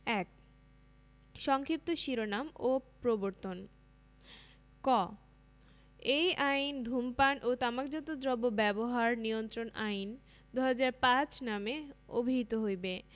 ১ সংক্ষিপ্ত শিরোনাম ও প্রবর্তনঃ ক এই অঅইন ধূমপান ও তামাকজাত দ্রব্য ব্যবহার নিয়ন্ত্রণ আইন ২০০৫ নামে অভিহিত হইবে